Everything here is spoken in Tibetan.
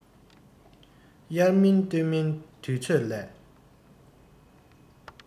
དབྱར མིན སྟོན མིན དུས ཚོད ལ